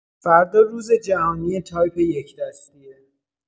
فردا روزجهانی تایپ یک دستیه.